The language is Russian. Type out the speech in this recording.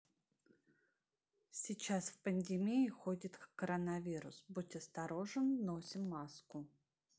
сейчас в пандемии ходит коронавирус будь осторожен носим маску